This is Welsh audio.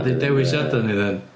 Be 'di dewisiadau ni dden?